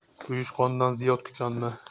quyushqondan ziyod kuchanma